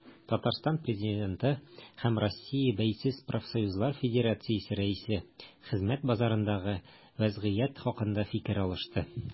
Татарстан Президенты һәм Россия Бәйсез профсоюзлар федерациясе рәисе хезмәт базарындагы вәзгыять хакында фикер алышты.